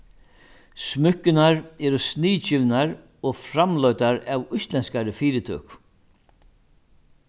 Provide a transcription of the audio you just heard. smúkkurnar eru sniðgivnar og framleiddar av íslendskari fyritøku